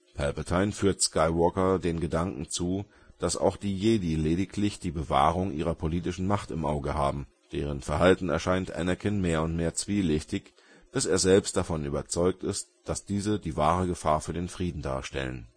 Palpatine führt Skywalker den Gedanken zu, dass auch die Jedi lediglich die Bewahrung ihrer politischen Macht im Auge haben. Deren Verhalten erscheint Anakin mehr und mehr zwielichtig, bis er selbst davon überzeugt ist, dass diese die wahre Gefahr für den Frieden darstellen